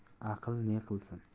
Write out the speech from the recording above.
turtgan aql ne qilsin